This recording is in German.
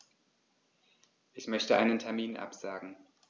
Ich möchte einen Termin absagen.